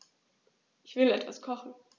Ich will etwas kochen.